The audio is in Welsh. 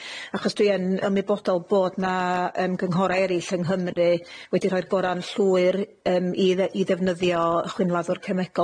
Achos dwi yn ymwybodol bod 'na yym gynghora erill yng Nghymru wedi rhoi'r gora'n llwyr yym i dde- i ddefnyddio y chwynladdwr cemegol.